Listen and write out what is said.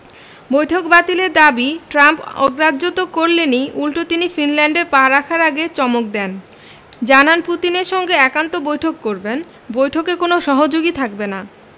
বৈঠক বাতিলের দাবি ট্রাম্প অগ্রাহ্য তো করলেনই উল্টো তিনি ফিনল্যান্ডে পা রাখার আগে চমক দেন জানান পুতিনের সঙ্গে একান্ত বৈঠক করবেন বৈঠকে কোনো সহযোগী থাকবে না